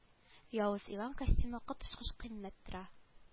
Явыз иван костюмы коточкыч кыйммәт тора